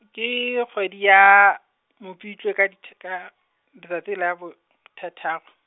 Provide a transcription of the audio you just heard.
ke kgwedi ya, Mopitlwe ka dith- ka, letsatsi la bo, thataro.